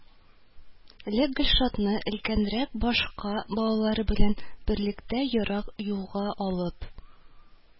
Лек гөлшатны өлкәнрәк башка балалары белән берлектә ерак юлга алып